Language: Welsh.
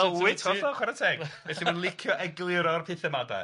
Yy wyt hollol chwarae teg felly mae'n licio egluro'r pethe yma de.